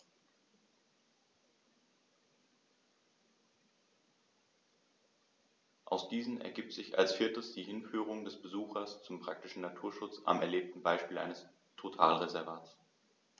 Aus diesen ergibt sich als viertes die Hinführung des Besuchers zum praktischen Naturschutz am erlebten Beispiel eines Totalreservats.